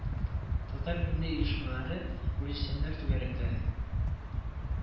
Татар милли оешмалары, үзешчәннәр түгәрәкләре